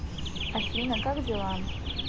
афина как дела